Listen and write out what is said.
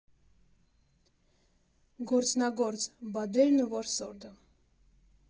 Գործնագործ (Բադերն ու որսորդը)